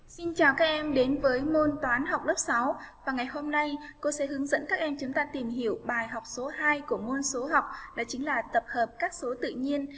xin chào các em đến với môn toán học lớp vào ngày hôm nay cô sẽ hướng dẫn các em chúng ta tìm hiểu bài số của môn số học đây chính là tập hợp các số tự nhiên